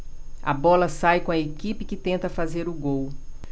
a bola sai com a equipe que tenta fazer o gol